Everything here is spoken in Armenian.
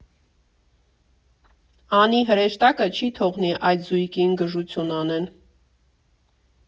Անի֊հրեշտակը չի թողնի այդ զույգին գժություն անեն։